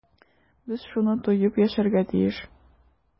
Без шуны тоеп яшәргә тиеш.